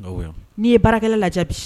N'i ye baara lajɛ